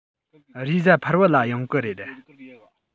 རེས གཟའ ཕུར བུ ལ ཡོང གི རེད